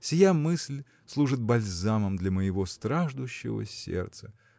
Сия мысль служит бальзамом для моего страждущего сердца.